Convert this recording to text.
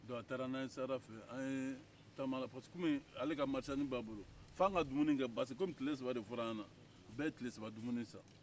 a taara n'an ye sahara fɛ kɔmi ale ka feerefɛn b'a bolo fo ka dumuni kɛ parce que tile saba de fɔr'an ye bɛɛ ye tile saba dumuni san